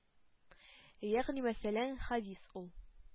-ягъни мәсәлән, хәдис ул,